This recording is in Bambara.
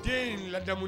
Den in ladamu